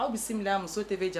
Aw bɛ bisimila muso tɛ bɛ jan